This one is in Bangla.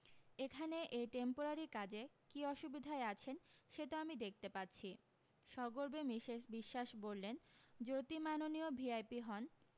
এখানে এই টেমপোরারি কাজে কী অসুবিধায় আছেন সে তো আমি দেখতে পাচ্ছি সগর্বে মিসেস বিশ্বাস বললেন যতি মাননীয় ভিআইপি হন